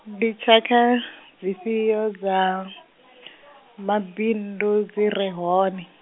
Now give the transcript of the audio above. ndi tshakha, dzi fhio dza, mabundu dzire hone?